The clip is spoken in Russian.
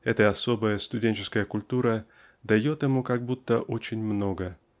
эта особая студенческая культура дает ему как будто очень много